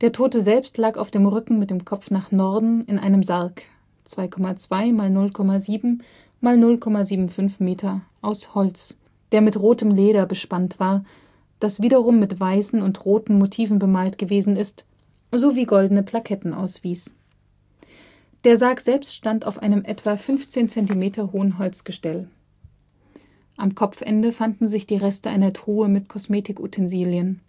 Tote selbst lag auf dem Rücken mit dem Kopf nach Norden in einem Sarg (2,2 x 0,7 x 0,75 m) aus Holz, der mit rotem Leder bespannt war, das wiederum mit weißen und roten Motiven bemalt gewesen ist, sowie goldene Plaketten auswies. Der Sarg selbst stand auf einem etwa 15 cm, hohen Holzgestell. Am Kopfende fanden sich die Reste einer Truhe mit Kosmetikutensilien